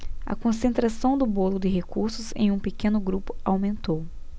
a concentração do bolo de recursos em um pequeno grupo aumentou